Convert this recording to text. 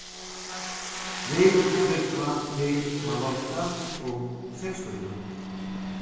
vit flúgva til mallorka um sekstíðina